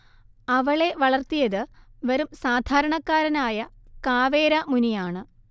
അവളെ വളർത്തിയത് വെറും സാധാരണക്കാരനായ കാവേര മുനിയാണ്